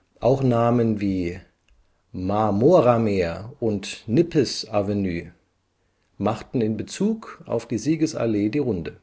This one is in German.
Auch Namen wie „ Marmorameer “und „ Nippes-Avenue “machten in Bezug auf die Siegesallee die Runde